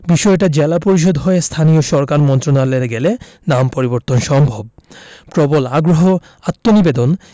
বিষয়টা জেলা পরিষদ হয়ে স্থানীয় সরকার মন্ত্রণালয়ে গেলে নাম পরিবর্তন সম্ভব প্রবল আগ্রহ আত্মনিবেদন